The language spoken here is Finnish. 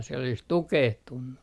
siellä olisi tukehtunut